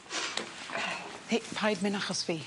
Hei, paid myn' achos fi.